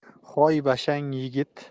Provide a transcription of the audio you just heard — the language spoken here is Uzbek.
hoy bo'shang yigit